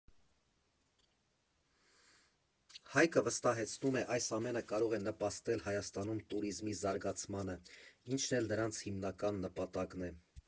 Հայկը վստահեցնում է՝ այս ամենը կարող է նպաստել Հայաստանում տուրիզմի զարգացմանը, ինչն էլ նրանց հիմնական նպատակն է։